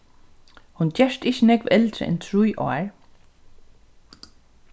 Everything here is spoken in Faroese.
hon gerst ikki nógv eldri enn trý ár